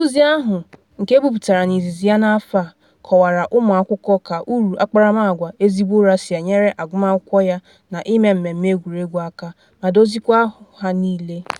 Nkuzi ahụ, nke ebupụtara n’izizi ya n’afọ a, kọwaara ụmụ akwụkwọ ka uru akparamagwa ezigbo ụra si enyere agumakwụkwọ yana ime mmemme egwuregwu aka, ma dozikwaa ahụ ha niile.